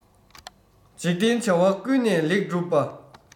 འཇིག རྟེན བྱ བ ཀུན ནས ལེགས བསྒྲུབ པ